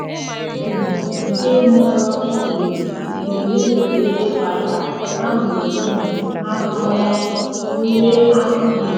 Robyn Christie nke Melrose kwuru: “Ekele dịịrị Ayr, ha were ohere ha karịa ole anyị mere.”